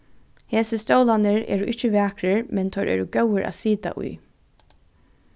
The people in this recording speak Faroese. hesir stólarnir eru ikki vakrir men teir eru góðir at sita í